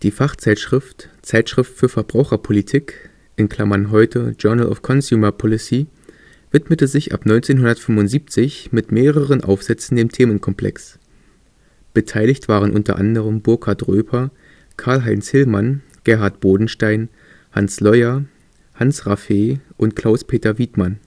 Fachzeitschrift Zeitschrift für Verbraucherpolitik (heute Journal of Consumer Policy) widmete sich ab 1975 mit mehreren Aufsätzen dem Themenkomplex. Beteiligt waren u.a. Burkhardt Röper, Karl-Heinz Hillmann, Gerhard Bodenstein, Hans Leuer, Hans Raffée und Klaus Peter Wiedmann